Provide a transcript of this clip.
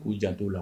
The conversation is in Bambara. K'u janto u la.